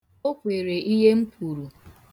O kwere ihe m kwuru.